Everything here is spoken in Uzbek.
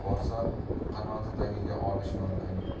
borsa qanoti tagiga olishi mumkin